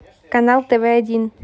канал тв один